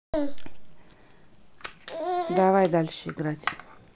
давайте дальше играть